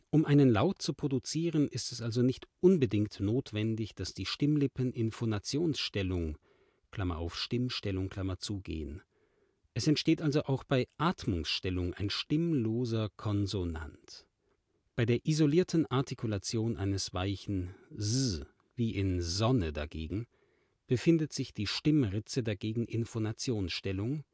Um einen Laut zu produzieren, ist es also nicht unbedingt notwendig, dass die Stimmlippen in Phonationsstellung (Stimmstellung) gehen. Es entsteht also auch bei Atmungsstellung ein stimmloser Konsonant. Bei der isolierten Artikulation eines " weichen " s wie in Sonne dagegen, befindet sich die Stimmritze dagegen in Phonationsstellung